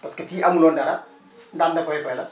parce que kii amuloon dara